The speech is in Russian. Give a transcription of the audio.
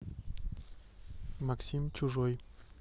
максим чужой